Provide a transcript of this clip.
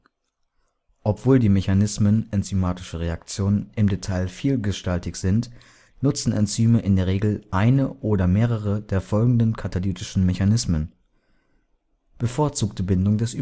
Obwohl die Mechanismen enzymatischer Reaktionen im Detail vielgestaltig sind, nutzen Enzyme in der Regel eine oder mehrere der folgenden katalytischen Mechanismen. Bevorzugte Bindung des